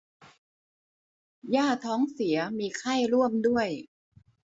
ย่าท้องเสียมีไข้ร่วมด้วย